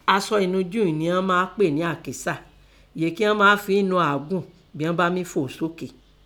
Asọ ẹ̀nujú ìín nẹ inan máa pè nẹ “àkísà", yèé kín an máa fií ńnu àágùn bín án bá mí “fò sókè".